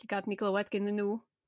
lly gad i ni glywed gennyn nw.